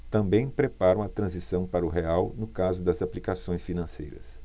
também preparam a transição para o real no caso das aplicações financeiras